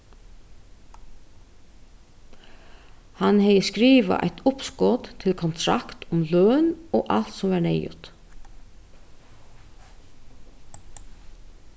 hann hevði skrivað eitt uppskot til kontrakt um løn og alt sum var neyðugt